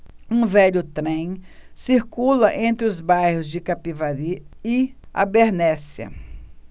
um velho trem circula entre os bairros de capivari e abernéssia